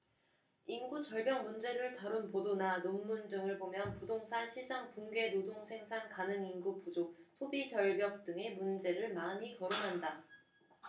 인구절벽 문제를 다룬 보도나 논문 등을 보면 부동산시장 붕괴 노동생산 가능인구 부족 소비절벽 등의 문제를 많이 거론한다